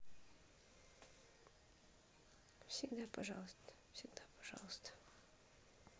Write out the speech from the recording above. всегда пожалуйста всегда пожалуйста